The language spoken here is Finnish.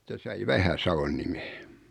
se sai Vähä-Savon nimen